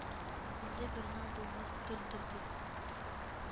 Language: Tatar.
Мондый бер нам булмас, гөлдер, дип